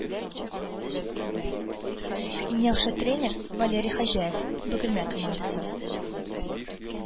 Иң яхшы тренер – Валерий Хаҗаев Бөгелмә командасы